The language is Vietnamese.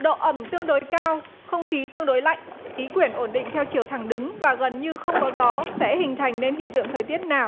độ ẩm tương đối cao không khí tương đối lạnh khí quyển ổn định theo chiều thẳng đứng và gần như không có gió sẽ hình thành nên hiện tượng thời tiết nào